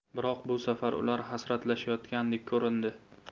biroq bu safar ular hasratlashayotgandek ko'rindi